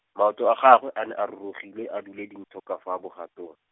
maoto a gagwe a ne a rurugile a dule dintho ka fa bogatong.